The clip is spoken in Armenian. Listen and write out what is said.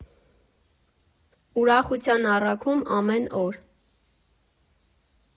Ուրախության առաքում ամեն օր։